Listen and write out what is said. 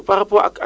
am na solo